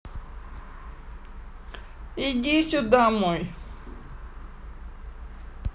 иди сюда мой